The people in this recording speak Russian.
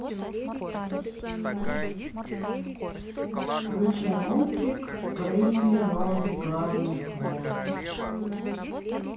включи мультик крылья ноги главное хвост